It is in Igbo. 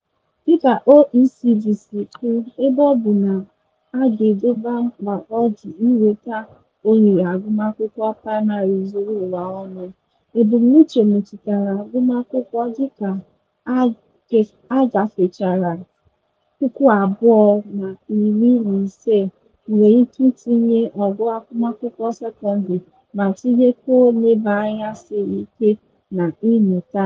Dịka OECD si kwuo, ebe ọ bụ na a ga-edobe mkpa ọ dị inweta ohere agụmakwụkwọ praịmarị zuru ụwa ọnụ, ebumnuche metụtara agụmakwụkwọ dịka a gafechara 2015 nwere ike itinye ogo agụmakwụkwọ sekọndrị ma tinyekwuo nlebaanya siri ike na mmụta.